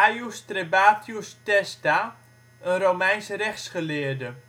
Gaius Trebatius Testa, Romeins rechtsgeleerde